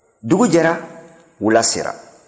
dugu jɛra wula sera